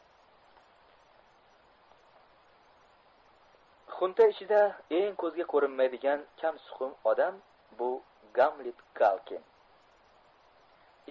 xunta ichida eng ko'zga ko'rinmaydigan kamsukum odam bu gamlet galkin